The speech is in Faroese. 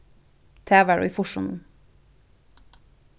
tað var í fýrsunum